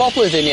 Pob blwyddyn ia.